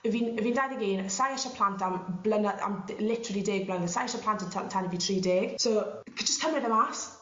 fi'n fi'n dauddeg un sai isie plant am blyny- am d- literally deg blynedd sai isie plant yn tan tan 'yf fi tri deg so c- jyst cymryd e mas